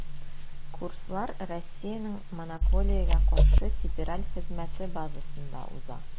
Курслар Россиянең Монополиягә каршы федераль хезмәте базасында уза.